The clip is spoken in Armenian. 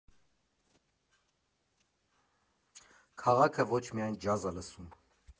Քաղաքը ոչ միայն ջազ ա լսում։